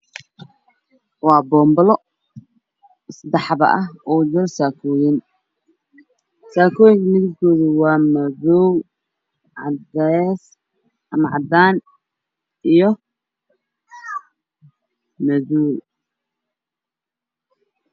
Waa boonbalo way ku jiraan saddex saakooyin sakooyinka kalirkoodu cadaan madow gudubba waye